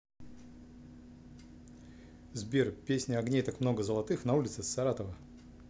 сбер песня огней так много золотых на улицах саратова